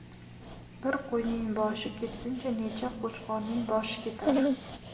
bir qo'yning boshi ketguncha necha qo'chqorning boshi ketar